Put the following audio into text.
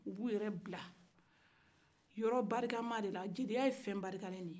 u b'u yɛrɛ bila yɔrɔ barikama de la jeliya ye fen barikalen de ye